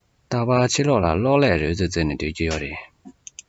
རྟག པར ཕྱི ལོག ལ གློག ཀླད རོལ རྩེད རྩེད ནས སྡོད ཀྱི ཡོད རེད